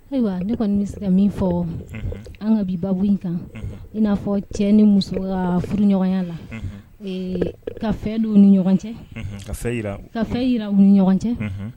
Ayiwa kɔni bɛ se ka min fɔ an ka bi babu in kan i n'a fɔ cɛ ne muso ka furu ɲɔgɔnya la ka fɛ u ni ɲɔgɔn cɛ ka fɛn yi u ni ɲɔgɔn cɛ